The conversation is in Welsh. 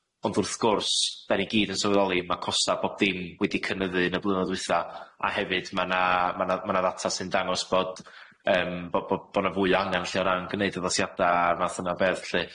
Ond wrth gwrs, 'den ni gyd yn sylweddoli ma' costa' bob dim wedi cynyddu yn y blynyddoedd dwytha, a hefyd ma' 'na ma' 'na ma' 'na ddata sy'n dangos bod yym bo' bo' bo' 'na fwy o angan lly o ran gneud addasiada' a'r math yna o beth lly.